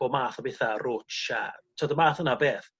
bob math o betha rwtch a t'od y math yna o beth.